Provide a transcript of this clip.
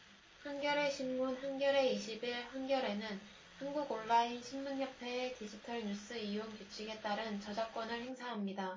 한겨레신문 한겨레 이십 일 한겨레는 한국온라인신문협회의 디지털뉴스이용규칙에 따른 저작권을 행사합니다